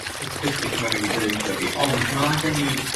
specific ma' rywun 'di deutho fi ond ma' gen i